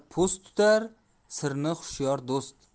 tutar sirni hushyor do'st